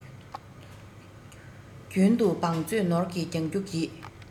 རྒྱུན དུ བང མཛོད ནོར གྱིས བརྒྱང རྒྱུ གྱིས